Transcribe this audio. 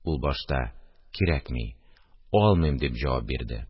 Ул башта: – Кирәкми, алмыйм, – дип җавап бирде